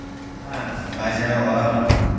ha bajara olaman